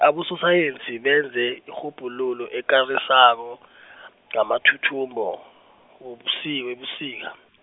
abososayensi benze irhubhululo ekarisako , ngamathuthumbo, wobusi- webusika.